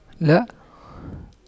لا